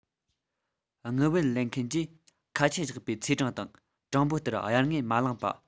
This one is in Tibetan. དངུལ བུན ལེན མཁན གྱིས ཁ ཆད བཞག པའི ཚེས གྲངས དང གྲངས འབོར ལྟར གཡར དངུལ མ བླངས པ